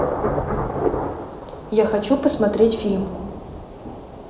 я хочу посмотреть фильм